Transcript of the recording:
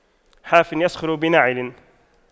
حافٍ يسخر بناعل